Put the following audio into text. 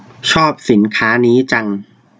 ชอบสินค้านี้จัง